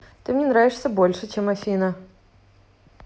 ты мне нравишься больше чем афина